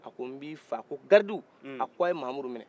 a ko nb'i faa a ko gardiw a k'aw ye mamudu minɛ